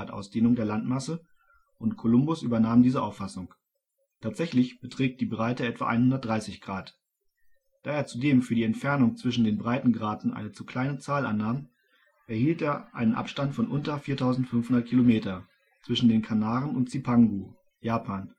Ausdehnung der Landmasse und Kolumbus übernahm diese Auffassung. Tatsächlich beträgt die Breite etwa 130°. Da er zudem für die Entfernung zwischen den Breitengraden eine zu kleine Zahl annahm, erhielt er einen Abstand von unter 4.500 km zwischen den Kanaren und Zipangu (Japan